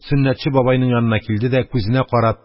Сөннәтче бабайның янына килде дә күзенә карап,